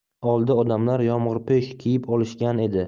oldi odamlar yomg'irpo'sh kiyib olishgan edi